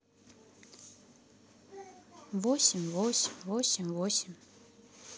восемь восемь восемь восемь